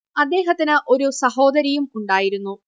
അദ്ദേഹത്തിന് ഒരു സഹോദരിയും ഉണ്ടായിരുന്നു